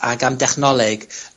...ag am dechnoleg